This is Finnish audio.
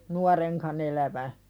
nuorenkaan elävän